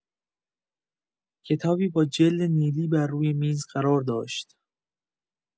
کتابی با جلد نیلی بر روی میز قرار داشت.